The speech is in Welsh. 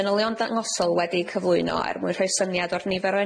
manylion dangosol wedi'u cyflwyno er mwyn rhoi syniad o'r nifer o